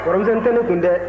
warimisɛn tɛ ne kun dɛ